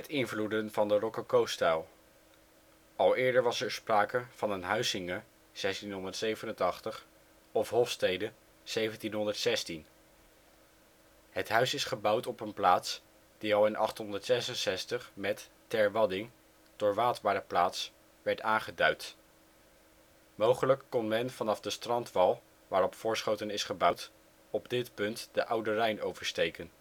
invloeden van de rococostijl. Al eerder was er sprake van een ' huizinge (1687) of ' hofstede ' (1716). Het huis is gebouwd op een plaats die al in 866 met ' ter wadding '- doorwaadbare plaats - werd aangeduid. Mogelijk kon men vanaf de strandwal waarop Voorschoten is gebouwd op dit punt de Oude Rijn oversteken